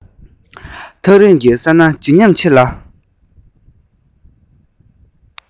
ཐག རིང གི ས ན བརྗིད ཉམས ཆེ ལ